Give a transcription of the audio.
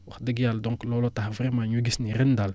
wax dëgg yàlla donc looloo tax vraiment ñu gis ne ren daal